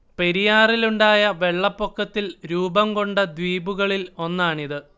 പെരിയാറിലുണ്ടായ വെള്ളപ്പൊക്കത്തിൽ രൂപം കൊണ്ട ദ്വീപുകളിൽ ഒന്നാണിത്